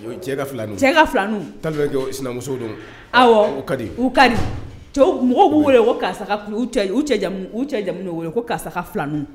Cɛ ka filanniw , cɛ ka filanin tellement que sinamusow don u kadi, awɔ, mɔgɔw b'u weele u cɛ ka jamu , cɛ jamu na , ko karisa ka filaninw.